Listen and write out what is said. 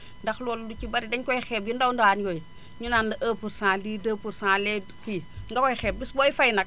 ndax loolu lu ci bari dañ koy xeeb yu ndaw ndawaan yooyu ñu naan la 1 pour cent lii 2 pour cent lee kii nga koy xeeb bés booy fay nag